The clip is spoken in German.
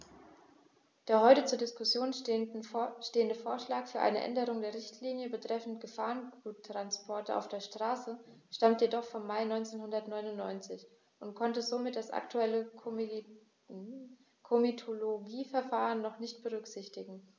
Der heute zur Diskussion stehende Vorschlag für eine Änderung der Richtlinie betreffend Gefahrguttransporte auf der Straße stammt jedoch vom Mai 1999 und konnte somit das aktuelle Komitologieverfahren noch nicht berücksichtigen.